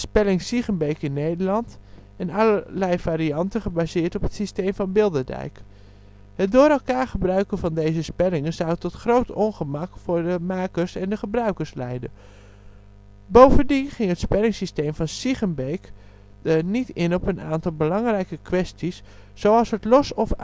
spelling-Siegenbeek in Nederland en allerlei varianten gebaseerd op het systeem van Bilderdijk. Het door elkaar gebruiken van deze spellingen zou tot groot ongemak voor de makers en de gebruikers leiden. Bovendien ging het spellingsysteem van Siegenbeek niet in op een aantal belangrijke kwesties, zoals het los of aaneenschrijven